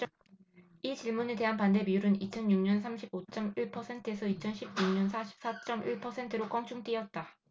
이 질문에 대한 반대비율은 이천 육 년 삼십 오 쩜 일 퍼센트에서 이천 십 육 년 사십 사 쩜 일 퍼센트로 껑충 뛰었다